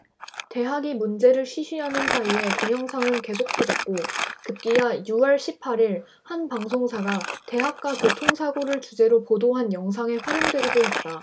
대학이 문제를 쉬쉬하는 사이에 동영상은 계속 퍼졌고 급기야 유 월 십 팔 일 한 방송사가 대학가 교통사고를 주제로 보도한 영상에 활용되기도 했다